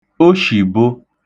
oshìbo